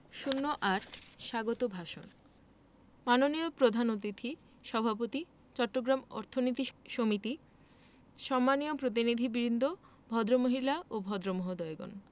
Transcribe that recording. ০৮ স্বাগত ভাষণ মাননীয় প্রধান অতিথি সভাপতি চট্টগ্রাম অর্থনীতি সমিতি সম্মানীয় প্রতিনিধিবৃন্দ ভদ্রমহিলা ও ভদ্রমহোদয়গণ